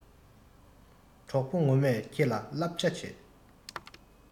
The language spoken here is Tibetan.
གྲོགས པོ ངོ མས ཁྱེད ལ སླབ བྱ བྱེད